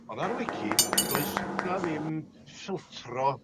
Ond ar y wici does 'na ddim ffiltro